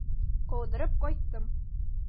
Калдырып кайттым.